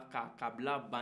k'a kakbila ban